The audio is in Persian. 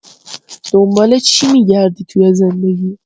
دنبال چی می‌گردی توی زندگی؟